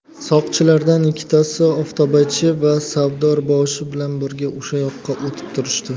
soqchilardan ikkitasi oftobachi va savdarboshi bilan birga o'sha yoqqa o'tib turishdi